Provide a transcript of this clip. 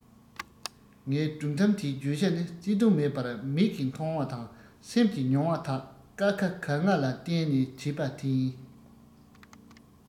ངའི སྒྲུང གཏམ འདིའི བརྗོད བྱ ནི བརྩེ དུང མེད པར མིག གིས མཐོང བ དང སེམས ཀྱི མྱོང བ དག ཀ ཁ ག ང ལ བརྟེན ནས བྲིས པ དེ ཡིན